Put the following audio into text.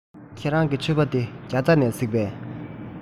ཁྱེད རང གི ཕྱུ པ དེ རྒྱ ཚ ནས གཟིགས པས